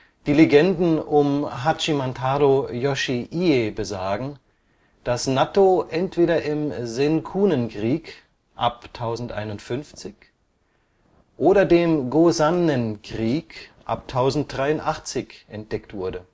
Die Legenden um Hachimantarō Yoshiie besagen, dass Nattō entweder im Zenkunen-Krieg (ab 1051) oder dem Gosannen-Krieg (ab 1083) entdeckt wurde